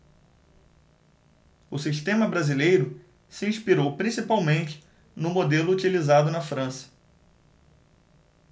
o sistema brasileiro se inspirou principalmente no modelo utilizado na frança